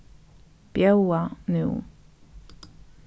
bjóða nú